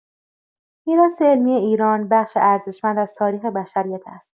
میراث علمی ایران بخشی ارزشمند از تاریخ بشریت است.